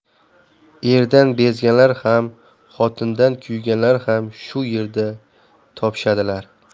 erdan bezganlar ham xotindan kuyganlar ham shu yerda topishadilar